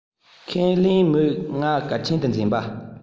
ཁས ལེན མོས ང གལ ཆེན དུ འཛིན པ